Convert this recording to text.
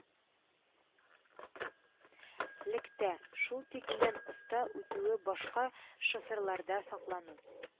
Лектә шултиклем оста үтүе башка шоферларда соклану